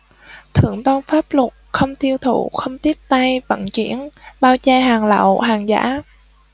thượng tôn pháp luật không tiêu thụ không tiếp tay vận chuyển bao che hàng lậu hàng giả